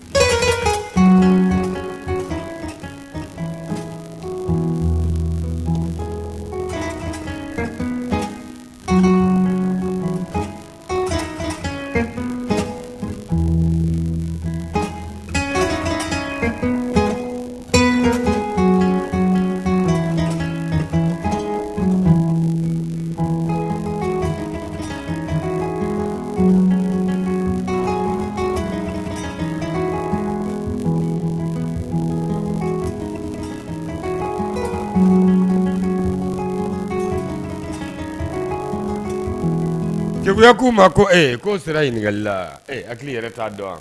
Se juguya k'u ma ko ee k'o sera ɲini ɲininkalila ɛ a hakili i yɛrɛ t'a dɔn wa